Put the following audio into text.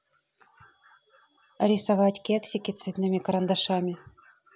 рисовать кексики цветными карандашами